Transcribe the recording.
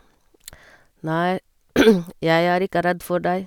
Nei, jeg er ikke redd for deg.